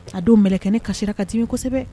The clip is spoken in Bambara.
A don m kɛ ne kasisira kami kosɛbɛ